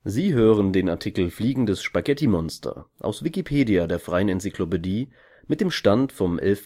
Sie hören den Artikel Fliegendes Spaghettimonster, aus Wikipedia, der freien Enzyklopädie. Mit dem Stand vom Der